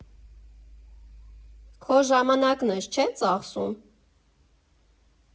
Քո ժամանակն ես չէ՞ ծախսում։